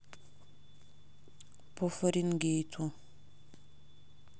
по фаренгейту